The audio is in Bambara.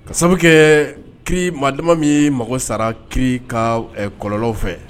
Ka sababu kɛ maa dama min mago sara ki ka kɔlɔlɔn fɛ